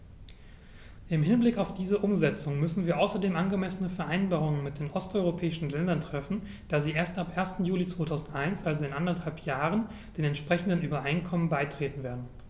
Im Hinblick auf diese Umsetzung müssen wir außerdem angemessene Vereinbarungen mit den osteuropäischen Ländern treffen, da sie erst ab 1. Juli 2001, also in anderthalb Jahren, den entsprechenden Übereinkommen beitreten werden.